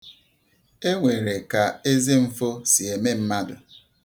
E nwere ka ezemfo si eme mmadụ.